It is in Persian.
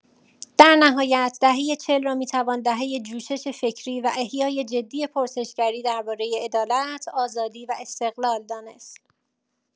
در نهایت دهه چهل را می‌توان دهه جوشش فکری و احیای جدی پرسش‌گری درباره عدالت، آزادی و استقلال دانست.